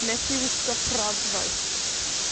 Wnesh i wisgo ffrog ddoe.